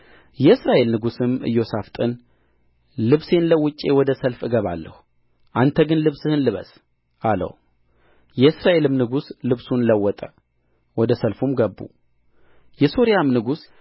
የእስራኤል ንጉሥም ኢዮሣፍጥን ልብሴን ለውጬ ወደ ሰልፍ እገባለሁ አንተ ግን ልብስህን ልበስ አለው የእስራኤልም ንጉሥ ልብሱን ለወጠ ወደ ሰልፍም ገቡ የሶርያም ንጉሥ